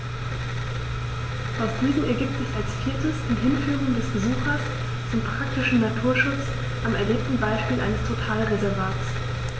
Aus diesen ergibt sich als viertes die Hinführung des Besuchers zum praktischen Naturschutz am erlebten Beispiel eines Totalreservats.